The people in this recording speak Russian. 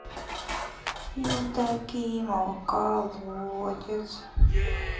евдокимова колодец